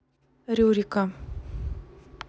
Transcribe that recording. рюрика